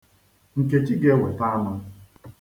Nkechi ga-eweta anụ.